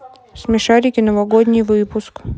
смешарики новогодний конкурс